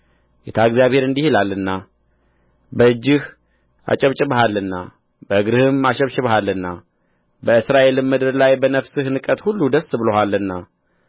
ጌታ እግዚአብሔር እንዲህ ይላልና በእጅህ አጨብጭበሃልና በእግርህም አሸብሽበሃልና በእስራኤልም ምድር ላይ በነፍስህ ንቀት ሁሉ ደስ ብሎሃልና